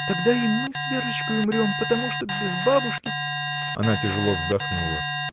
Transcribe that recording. — Тогда и мы с Верочкой умрем, потому что без бабушки. Она тяжело вздохнула.